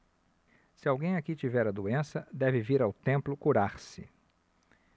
se alguém aqui tiver a doença deve vir ao templo curar-se